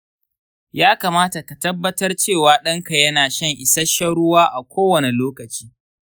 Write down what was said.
ya kamata ka tabbatar cewa ɗanka yana shan isasshen ruwa a kowane lokaci.